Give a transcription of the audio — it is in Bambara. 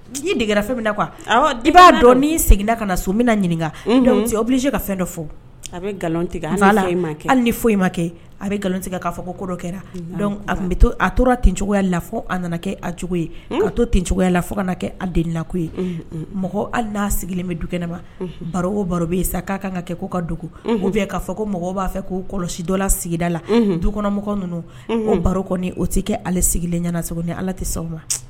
I degera min b'a dɔn seginna ka na so min ɲininka bilisi se ka fɛn dɔ fɔ fɔ ma kɛ a bɛ nkalontigi'a fɔ ko kɛra to a tora tcogoya la fo a nana kɛ cogo ye a to tencogoya la fo ka kana kɛ deliina ye mɔgɔ hali n'a sigilen bɛ du kɛnɛ ma baro o baro bɛ yen sa k'a kan ka kɛ' ka dugu bɛ' fɔ ko mɔgɔw b'a fɛ ko kɔlɔsi dɔla sigida la dukɔnɔ mɔgɔw ninnu o baro o tɛ kɛ sigilen ni ala tɛ se ma